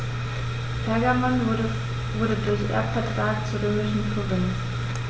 Pergamon wurde durch Erbvertrag zur römischen Provinz.